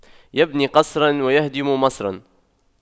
يبني قصراً ويهدم مصراً